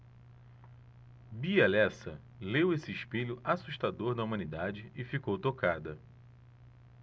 bia lessa leu esse espelho assustador da humanidade e ficou tocada